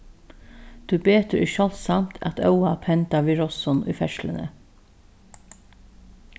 tíbetur er sjáldsamt at óhapp henda við rossum í ferðsluni